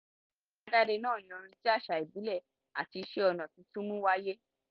Àbájáde náà ni orin tí àṣà ìbílẹ̀ àti iṣẹ́ ọ̀nà tuntun mú wáyé.